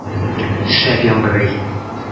Шәп яңгырый!